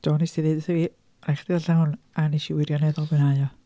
Do, wnest ti ddeud wrtha fi "rhaid i chdi ddarllen hwn" a wnes i wirioneddol fwynhau o.